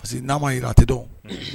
Parce que n'a ma jira a tɛ dɔn